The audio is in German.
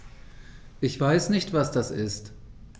Ich weiß nicht, was das ist.